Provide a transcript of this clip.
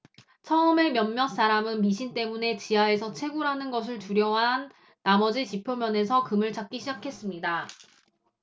처음에 몇몇 사람은 미신 때문에 지하에서 채굴하는 것을 두려워한 나머지 지표면에서 금을 찾기 시작했습니다